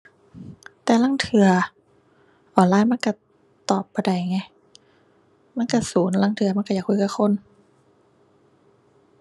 แต่ลางเทื่อออนไลน์มันก็ตอบบ่ได้ไง มันก็สูน ลางเทื่อมันก็อยากคุยกับคน